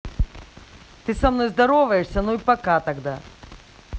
ты со мной здороваешься ну и пока тогда